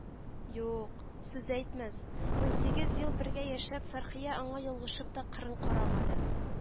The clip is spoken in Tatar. Юк, сүз әйтмәс, унсигез ел бергә яшәп, Фәрхия аңа ялгышып та кырын карамады